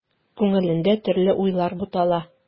Күңелендә төрле уйлар бутала.